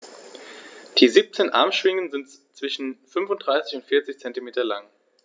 Die 17 Armschwingen sind zwischen 35 und 40 cm lang.